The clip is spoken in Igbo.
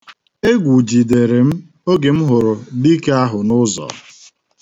Egwu jidere m oge m hụrụ dike ahụ n'ụzọ.